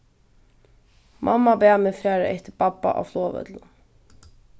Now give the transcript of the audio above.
mamma bað meg fara eftir babba á flogvøllinum